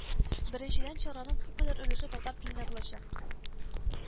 Беренчедән, чараның күпмедер өлеше татар телендә булачак